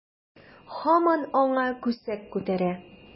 Һаман аңа күсәк күтәрә.